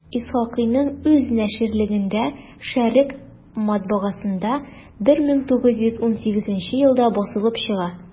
Исхакыйның үз наширлегендә «Шәрекъ» матбагасында 1918 елда басылып чыга.